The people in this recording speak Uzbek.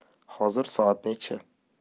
hozir soat nechi